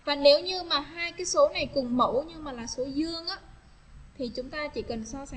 còn nếu như mà hai cái số này cùng mẫu nhưng mà là số dương thì chúng ta chỉ cần soi